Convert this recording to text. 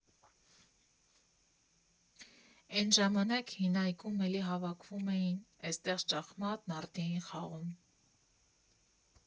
Էն ժամանակ հին այգում էլի հավաքվում էին էստեղ շախմատ, նարդի էին խաղում։